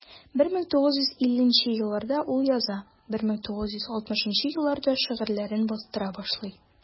1950 елларда ул яза, 1960 елларда шигырьләрен бастыра башлый.